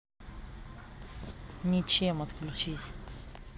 ничем отключись